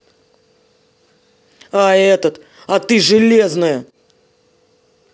а этот а ты железная